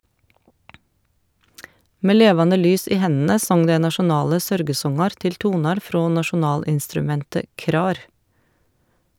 Med levande lys i hendene song dei nasjonale sørgesongar til tonar frå nasjonalinstrumentet krar.